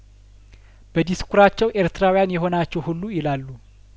በዲስኩራቸው ኤርትራውያን የሆናችሁ ሁሉ ይላሉ